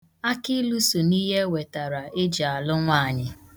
Akịilu so na ihe e wetara eji alụ nwaanyị.